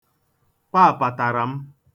Paapa tara m.